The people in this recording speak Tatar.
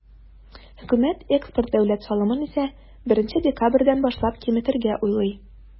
Хөкүмәт экспорт дәүләт салымын исә, 1 декабрьдән башлап киметергә уйлый.